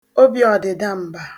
obìọ̀dị̀dam̀ba